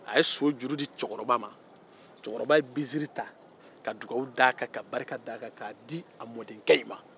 a ye so juru di cɛkɔrɔba ma cɛkɔrɔba ye binsiri ta ka dugawu d'a kan ka barika d'a kan k'a di a mɔdenkɛ in ma